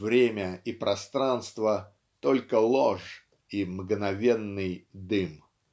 время и пространство -- только ложь и "мгновенный дым".